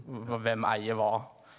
hvem eier hva?